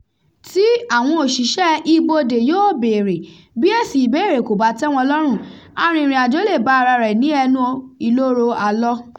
tí àwọn òṣìṣẹ́ ibodè yóò béèrè, bí èsì ìbéèrè kò bá tẹ́ wọn lọ́rùn, arìnrìn-àjó lè bá ara rẹ̀ ní ẹnu ìloro àlọ.